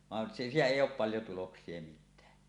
vaan siitä ei ole paljon tuloksia mitään